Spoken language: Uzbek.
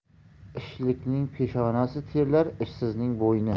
ishlikning peshonasi terlar ishsizning bo'yni